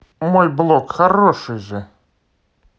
мой блог хороший же